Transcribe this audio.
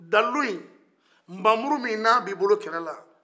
dalilu in npamuru mi ni a bɛ i bolo kɛlɛ la